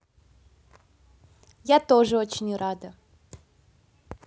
я тоже очень очень рада